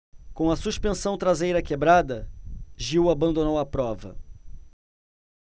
com a suspensão traseira quebrada gil abandonou a prova